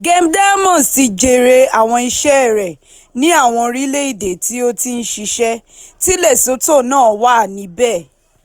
Gem Diamonds ti jèrè àwọn iṣẹ́ rẹ̀ ní àwọn orílẹ̀-èdè tí ó ti ń ṣiṣẹ́, tí Lesotho náà wà níbẹ̀.